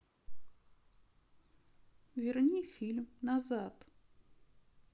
верни фильм назад